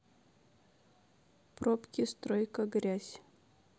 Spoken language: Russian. пробки стройка грязь